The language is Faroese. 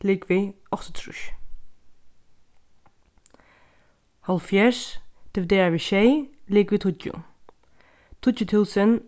ligvið áttaogtrýss hálvfjerðs dividera við sjey ligvið tíggju tíggju túsund